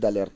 d' alerte